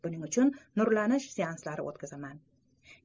buning uchun nurlantirish seanslari o'tkazaman